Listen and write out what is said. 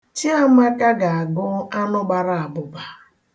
Chiamaka ga-agụ anụ gbara abụba.